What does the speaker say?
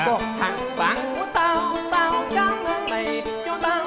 còn thằng bạn của tao tao cảm ơn mày cho tao